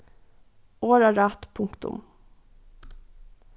orðarætt punktum